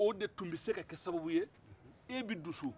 o de tun be se ka kɛ sababu ye e bɛ dusu